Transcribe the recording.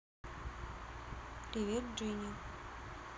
привет джини